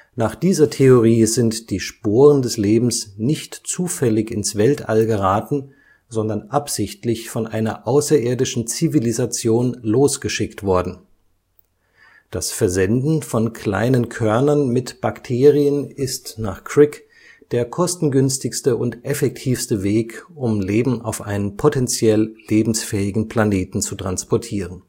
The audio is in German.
Nach dieser Theorie sind die Sporen des Lebens nicht zufällig ins Weltall geraten, sondern absichtlich von einer außerirdischen Zivilisation losgeschickt worden. Das Versenden von kleinen Körnern mit Bakterien ist nach Crick der kostengünstigste und effektivste Weg, um Leben auf einen potentiell lebensfähigen Planeten zu transportieren